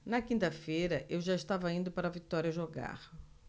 na quinta-feira eu já estava indo para vitória jogar